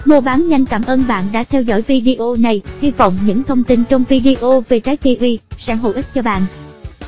muabannhanh cảm ơn bạn đã theo dõi video này hy vọng những thông tin trong video về trái kiwi sẽ hữu ích cho bạn